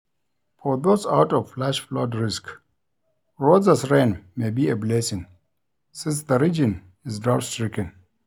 For those out of flash flood risk, Rosa's rain may be a blessing since the region is drought-stricken.